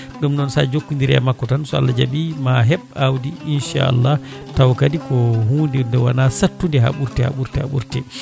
ɗum noon sa jokkodire e makko tan so Allah jaaɓi ma heeb awdi inchallah taw kadi ko hunde nde wona sattude ha ɓurti ha ɓurti ha ɓurti